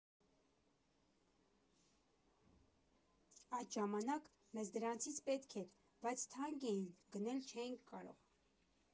Այդ ժամանակ մեզ դրանցից պետք էր, բայց թանկ էին, գնել չէինք կարող։